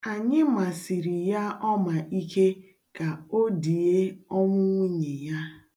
Anyị masiri ya ọma ike ka o die ọnwụ nwunye ya.